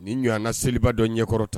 Ni ɲɔgɔnwanan ka seliba dɔ ɲɛkɔrɔta